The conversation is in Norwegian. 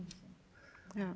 ja.